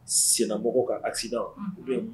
Senmɔgɔw ka a sin u bɛ yen